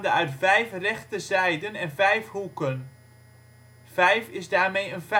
uit vijf rechte zijden en vijf hoeken. Vijf is daarmee een vijfhoeksgetal